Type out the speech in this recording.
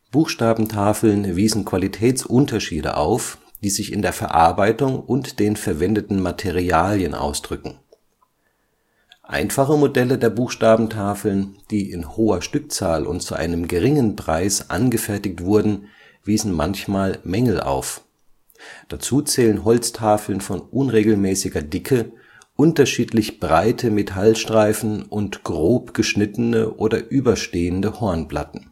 Buchstabentafeln wiesen Qualitätsunterschiede auf, die sich in der Verarbeitung und den verwendeten Materialien ausdrücken. Einfache Modelle der Buchstabentafeln, die in hoher Stückzahl und zu einem geringen Preis angefertigt wurden, wiesen manchmal Mängel auf. Dazu zählen Holztafeln von unregelmäßiger Dicke, unterschiedlich breite Metallstreifen und grob geschnittene oder überstehende Hornplatten